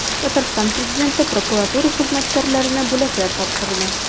Татарстан Президенты прокуратура хезмәткәрләренә бүләкләр тапшырды.